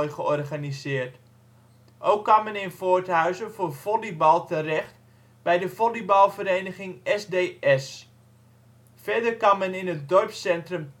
georganiseerd. Ook kan men in Voorthuizen voor volleybal terecht bij de volleybalvereniging SDS (Sterk door Samenspel). Verder kan men in het dorpscentrum